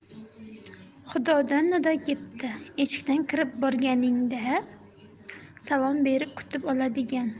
xudodan nido kepti eshikdan kirib borganingda salom berib kutib oladigan